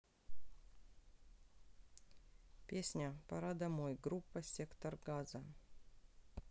песня пора домой группа сектор газа